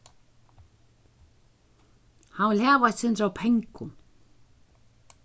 hann vil hava eitt sindur av pengum